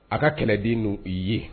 A ka kɛlɛden n i ye